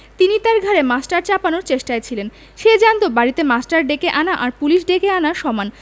উনি তার ঘাড়ে মাস্টার চাপানোর চেষ্টায় ছিলেন সে জানত বাড়িতে মাস্টার ডেকে আনা আর পুলিশ ডেকে আনা সমান